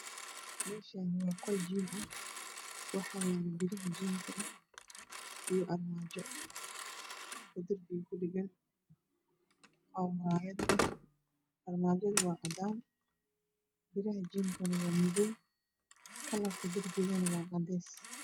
Meeshaani waa qol jiim ah waxaa yaala birihii jiimka iyo armaajo oo darbiga kudhagan oo muraayad leh armaajadu waa cadaan biraha jiimkana waa madow darbiga kalarkiisuna waa cadeye.